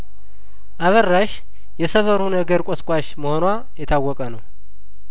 አበራሽ የሰፈሩ ነገር ቆስቋሽ መሆኗ የታወቀ ነው